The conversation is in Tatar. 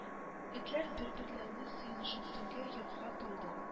Этләр бер-берләрне сыенышып төнгә йокыга талды